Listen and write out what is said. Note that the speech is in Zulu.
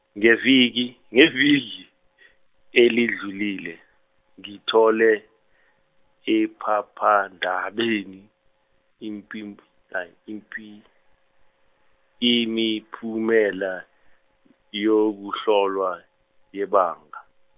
ngevi- ngeviki eledlule ngithole ephephandabeni impimp- hay- impi- imiphumela yokuhlolwa yebanga.